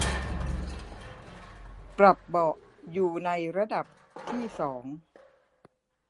ปรับเบาะอยู่ในระดับที่สอง